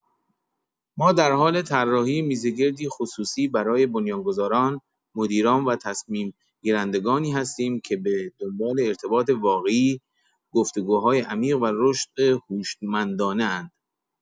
ما در حال طراحی میزگردی خصوصی برای بنیان‌گذاران، مدیران و تصمیم‌گیرندگانی هستیم که به دنبال ارتباط واقعی، گفتگوهای عمیق و رشد هوشمندانه‌اند.